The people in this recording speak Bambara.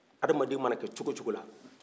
adamaden mana kɛ cogow cogo la